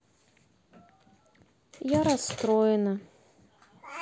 я расстроена